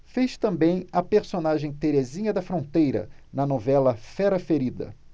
fez também a personagem terezinha da fronteira na novela fera ferida